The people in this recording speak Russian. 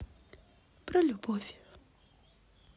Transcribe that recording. про любовь